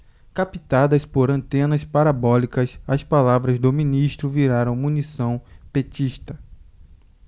captadas por antenas parabólicas as palavras do ministro viraram munição petista